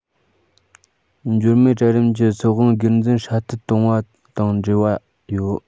འབྱོར མེད གྲལ རིམ གྱི སྲིད དབང སྒེར འཛིན སྲ བརྟན གཏོང བ དང འབྲེལ བ ཡོད